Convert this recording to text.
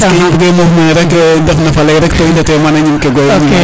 budemoof mene rek ndef na faley rek to i ndeta mana ñim ke goye ñimik nayo